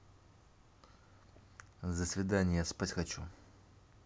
the свидания я спать хочу